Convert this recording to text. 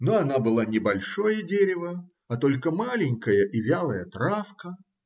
Но она была не большое дерево, а только маленькая и вялая травка.